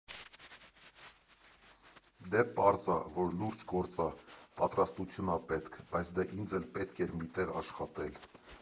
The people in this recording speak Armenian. Դե պարզ ա, որ լուրջ գործ ա, պատրաստություն ա պետք, բայց դե ինձ էլ պետք էր մի տեղ աշխատել։